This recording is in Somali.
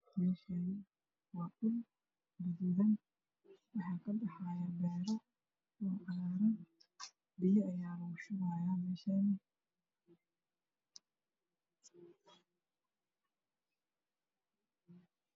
Meeshaani waa shul gaduudan bero ka baxaayo biyo ayaa lagu ahubayaa